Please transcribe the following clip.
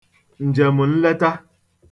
ǹjèm̀nleta